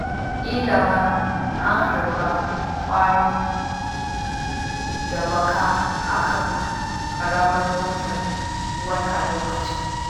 ƙila ma an harba kwari da baka a kan ƙaramar motar a wani lokaci.